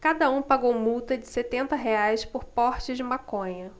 cada um pagou multa de setenta reais por porte de maconha